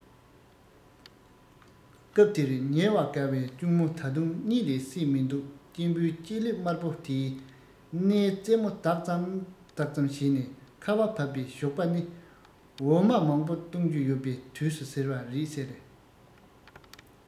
སྐབས དེར ཉལ བར དགའ བའི གཅུང མོ ད དུང གཉིད ལས སད མི འདུག གཅེན པོས ལྕེ ལེབ དམར པོ དེས སྣའི རྩེ མོ ལྡག ཙམ ལྡག ཙམ བྱས ནས ཁ བ བབས པའི ཞོགས པ ནི འོ མ མང པོ བཏུང རྒྱུ ཡོད པའི དུས སུ ཟེར བ རེད ཟེར